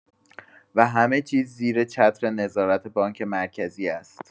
و همه چیز زیر چتر نظارت بانک مرکزی است.